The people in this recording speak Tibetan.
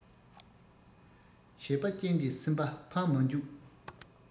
བྱས པ ཅན གྱི སེམས པ ཕམ མ འཇུག